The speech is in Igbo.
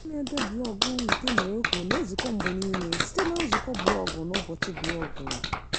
Ndị na-ede blọọgụ nke Morocco na-ezukọ mgbe niile site na nzukọ blọọgụ na ụbọchị blọọgụ.